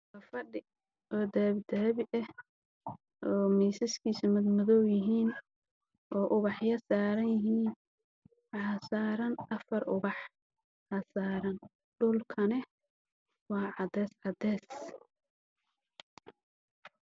Waa fadhi oo dahabi dahabi ah